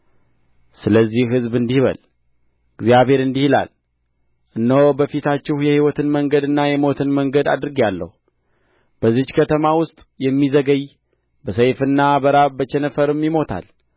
ስለዚህ ሕዝብ እንዲህ በል እግዚአብሔር እንዲህ ይላል እነሆ በፊታችሁ የሕይወትን መንገድና የሞትን መንገድ አድርጌአለሁ በዚህች ከተማ ውስጥ የሚዘገይ በሰይፍና በራብ በቸነፈርም ይሞታል